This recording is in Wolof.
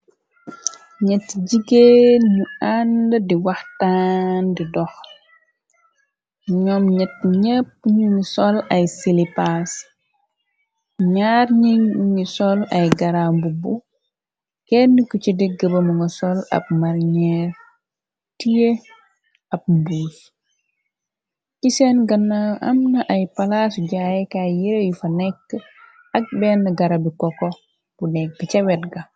N'ett jigéen ñu ànd di waxtaan di dox ñoom ñet ñepp ñu ngi sol ay silipaas ñaar ñi ngi sol ay gara bubbu kenn ku ci dëgg ba manga sol ab marñeer tiye ab mbuus ci seen gana am na ay palaasu jaayekaay yere yu fa nekk ak benn garabi koko bu nekk bi ca wetga.